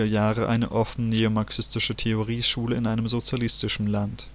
Jahre eine offen neomarxistische Theorieschule in einem sozialistischen Land